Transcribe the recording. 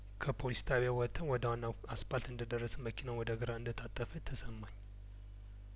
ከፖሊስ ጣቢያው ወጥተን ወደዋናው አስፓልት እንደደረስን መኪናዋ ወደ ግራ እንደታጠፈ ተሰማኝ